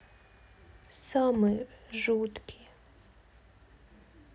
самые жуткие